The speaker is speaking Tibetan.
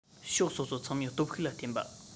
ཕྱོགས སོ སོ ཚང མའི སྟོབས ཤུགས ལ བརྟེན པ